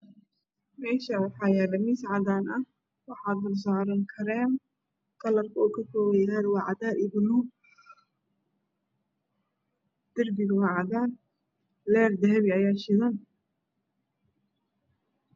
Meeshaan waxaa yaalo miis cadaan ah waxaa dulsaaran kareem kalarkiisuna waa cadaan iyo buluug. Darbiguna waa cadaan leyr dahabi ayaa shidan.